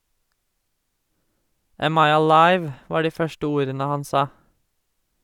"Am I alive?" var de første ordene han sa.